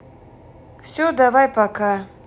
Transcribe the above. все давай пока